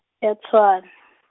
ya Tshwane.